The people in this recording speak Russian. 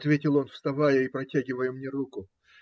ответил он, вставая и протягивая мне руку.